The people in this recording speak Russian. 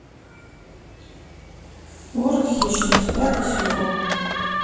город хищниц пятый сезон